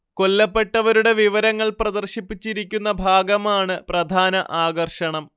കൊല്ലപ്പെട്ടവരുടെ വിവരങ്ങൾ പ്രദർശിപ്പിച്ചിരിക്കുന്ന ഭാഗമാണ് പ്രധാന ആകർഷണം